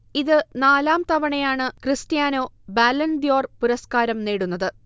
ഇത് നാലാം തവണയാണ് ക്രിസ്റ്റ്യാനോ ബാലൺദ്യോർ പുരസ്കാരം നേടുന്നത്